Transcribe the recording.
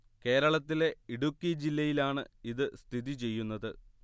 കേരളത്തിലെ ഇടുക്കി ജില്ലയിലാണ് ഇത് സ്ഥിതി ചെയ്യുന്നത്